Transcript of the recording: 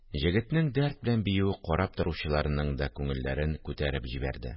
Җегетнең дәрт белән биюе карап торучыларның да күңелләрен күтәреп җибәрде